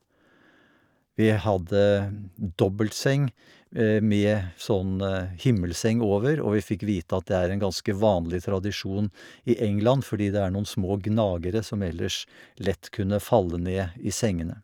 Vi hadde dobbeltseng med f sånn himmelseng over, og vi fikk vite at det er en ganske vanlig tradisjon i England, fordi det er noen små gnagere som ellers lett kunne falle ned i sengene.